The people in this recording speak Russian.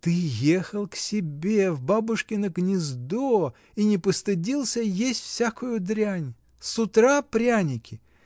— Ты ехал к себе, в бабушкино гнездо, и не постыдился есть всякую дрянь. С утра пряники!